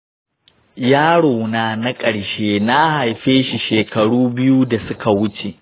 yaro na na ƙarshe na haifeshi shekaru biyu da suka wuce.